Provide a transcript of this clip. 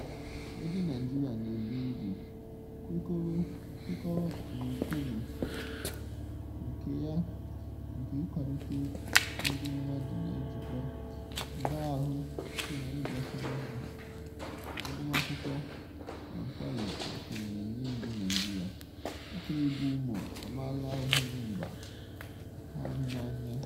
Radio Nigeria na-ebi ndụ kwekọrọ n'ụkpụrụ nke ya nke ịkwalite ndị mmadụ na ijikọ mba ahụ" site na ịgbasa ozi, agụmakwụkwọ na mkpali nke na-enye ndị Naịjirịa ike ịbụ ụmụ amaala hụrụ mba ha n'anya.